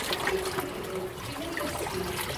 Peth gwaetha 'dy fi yw fi myn' i gysgu